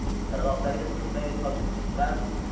qirg'oqlariga sig'may toshib chiqqan